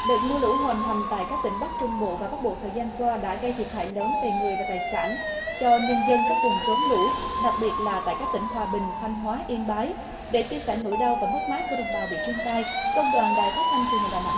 đợt mưa lũ hoành hành tại các tỉnh bắc trung bộ và bắc bộ thời gian qua đã gây thiệt hại lớn về người và tài sản cho nhân dân các vùng rốn lũ đặc biệt là tại các tỉnh hòa bình thanh hóa yên bái để chia sẻ nỗi đau và mất mát của đồng bào bị thiên tai công đoàn đài phát thanh truyền hình đà nẵng